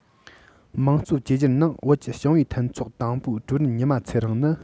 དམངས གཙོའི བཅོས སྒྱུར ནང བོད ཀྱི ཞིང པའི མཐུན ཚོགས དང པོའི ཀྲུའུ རེན ཉི མ ཚེ རིང ནི